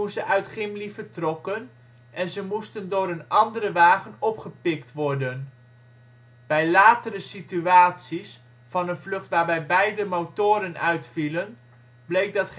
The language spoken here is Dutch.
ze uit Gimli vertrokken, en ze moesten door een andere wagen opgepikt worden. Bij latere simulaties van een vlucht waarbij beide motoren uitvielen, bleek dat